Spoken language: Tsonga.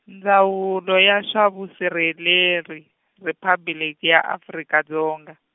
Ndzawulo ya swa Vusirheleri Riphabliki ya Afrika Dzonga.